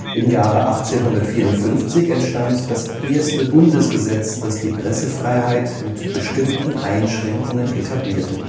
Im Jahre 1854 entstand das erste Bundesgesetz, das die Pressefreiheit mit bestimmten Einschränkungen etablierte